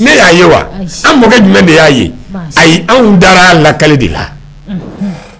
ne y'a ye wa an mɔ jumɛn de y'a ye a ye an da' lakali de la